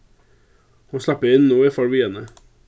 hon slapp inn og eg fór við henni